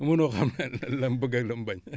munoo xam la mu bëgg ak la mu bañ